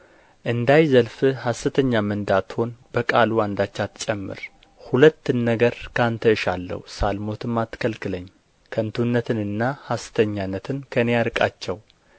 እንዳይዘልፍህ ሐሰተኛም እንዳትሆን በቃሉ አንዳች አትጨምር ሁለትን ነገር ከአንተ እሻለሁ ሳልሞትም አትከልክለኝ ከንቱነትንና ሐሰተኛነትን ከእኔ አርቃቸው